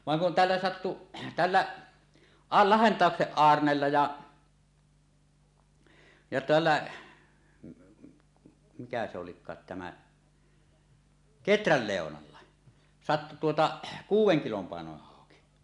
vaan kun tällä sattui tällä - Lahdentauksen Aarnella ja ja tällä mikä se olikaan tämä Keträn Leonalla sattui tuota kuuden kilon painoinen hauki